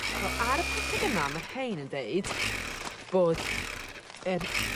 Wel ar y paced yma ma' rhein yn deud bod yr